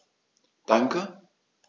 Danke.